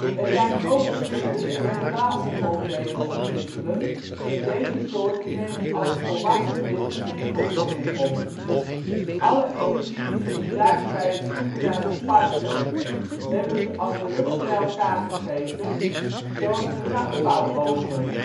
zijn ook vlinders die helemaal geen monddelen ontwikkelen en deze soorten nemen als volwassen vlinder geen voedsel meer op. Alle energie die ze gebruiken bij het zoeken naar een partner hebben ze als rups bij elkaar gegeten, zoals de nachtpauwogen